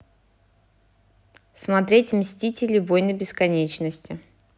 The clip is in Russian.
смотреть мстители войны бесконечности